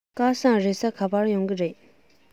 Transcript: སྐལ བཟང རེས གཟའ ག པར ཡོང གི རེད